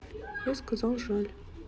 я сказал жаль